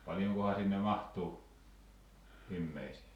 paljonkohan sinne mahtuu ihmisiä